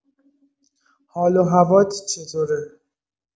حال و هوات چطوره؟